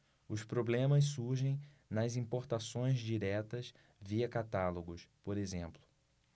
os problemas surgem nas importações diretas via catálogos por exemplo